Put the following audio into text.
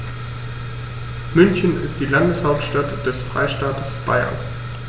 München ist die Landeshauptstadt des Freistaates Bayern.